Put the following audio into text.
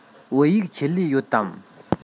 བོད ཡིག ཆེད ལས ཡོད དམ